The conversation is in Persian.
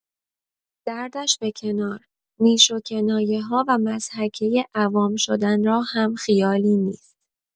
دردش به کنار، نیش و کنایه‌ها و مضحکۀ عوام شدن را هم خیالی نیست.